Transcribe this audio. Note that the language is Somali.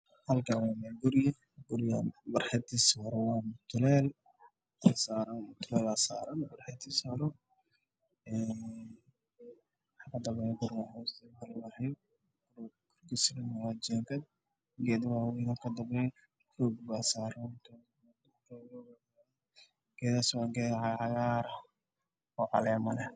Meshan waxaa iga muuqda Guri midad kiisu yahay gaduud waxaa ku yaalo geedo dhaar dheer OO cagaaran